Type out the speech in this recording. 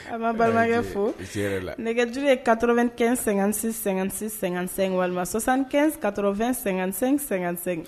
A bamanankɛ fo nɛgɛj ye kato2ɛn sɛgɛn- sɛgɛn- sɛgɛnsɛ walima sɔsanɛnkat2---sɛ